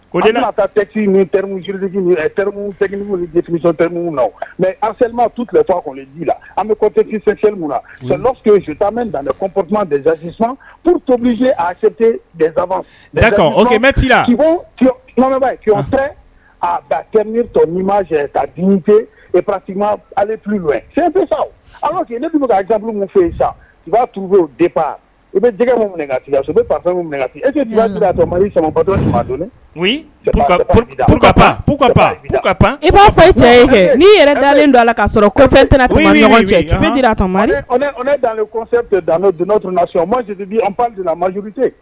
Ko deniba taaki minj mɛma tu anpsi danpzsi ptosetesa ci ma ka ne tun' jabu fɛ yen sa tu bɛ i bɛ dɛgɛ e i'a cɛ ni yɛrɛ dalen la kafe donna tun maj pan majte